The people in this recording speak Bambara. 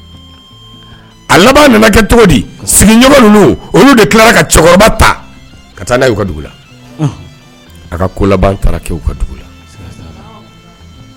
A laban nana kɛ cogo di sigiɲɔgɔn ninnu olu tila cɛkɔrɔba ta ka taa n la a ka ko taara la